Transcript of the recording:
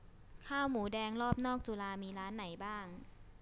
ข้าวหมูแดงรอบนอกจุฬามีร้านไหนบ้าง